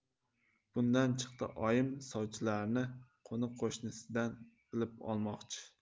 bundan chiqdi oyim sovchilarni qo'ni qo'shnisidan bilib olmoqchi